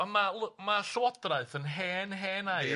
Ond ma' l- ma' Llywodraeth yn hen hen air.